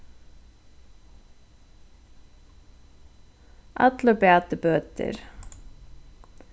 allur bati bøtir